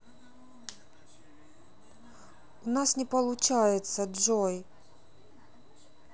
у нас не получается джой